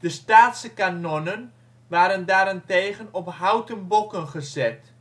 De Staatse kanonnen waren daarentegen op houten bokken gezet